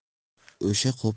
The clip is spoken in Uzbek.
o'sha qo'pol o'sha